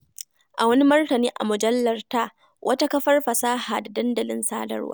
A wani martani a mujallar T, wata kafar fasaha da dandalin sadarwa.